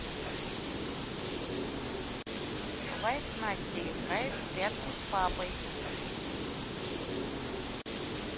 лайк настя играет в прятки с папой